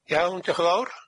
Iawn, dioch yn fowr.